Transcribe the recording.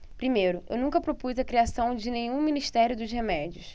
primeiro eu nunca propus a criação de nenhum ministério dos remédios